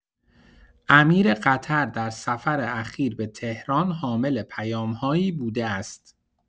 امیر قطر در سفر اخیر به تهران حامل پیام‌هایی بوده است.